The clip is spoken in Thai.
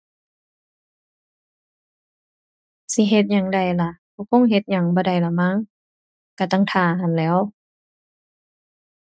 สิเฮ็ดหยังได้ล่ะ ก็คงเฮ็ดหยังบ่ได้แล้วมั้ง ก็ต้องท่าหั้นแหล้ว